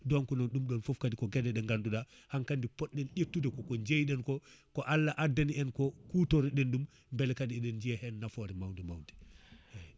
donc noon ɗum foof kadi ko gueɗe ɗe ganduɗa hankkandi poɗɗen ƴettude koko jeyɗen ko ko Allah addani en ko kutoroɗen ɗum beele kadi eɗen jiiya hen nafoore mawde mawde eyyi